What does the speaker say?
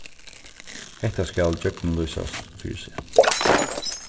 hetta skal gjøgnumlýsast fyri seg